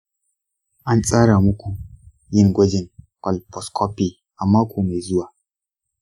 an tsara muku yin gwajin colposcopy a mako mai zuwa.